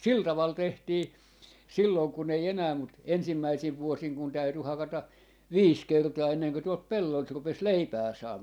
sillä tavalla tehtiin silloin kun ei enää mutta ensimmäisinä vuosina kun täytyi hakata viisi kertaa ennen kuin tuolta pelloilta rupesi leipää saamaan